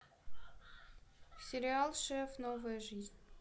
сериал шеф новая жизнь